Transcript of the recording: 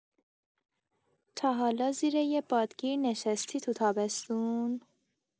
تا حالا زیر یه بادگیر نشستی تو تابستون؟